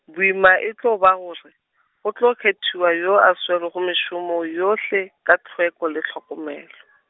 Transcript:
boima e tlo ba gore, go tlo kgethiwa yoo a swerego mešomo yohle, ka tlhweko le tlhokomelo.